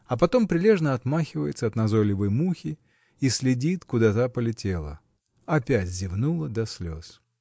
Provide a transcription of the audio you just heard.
А потом прилежно отмахивается от назойливой мухи и следит, куда та полетела. Опять зевнула до слез.